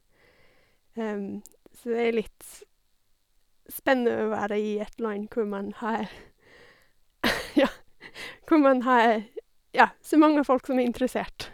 Så det er litt spennende å være i et land, hvor man har ja, hvor man har, ja, så mange folk som er interessert.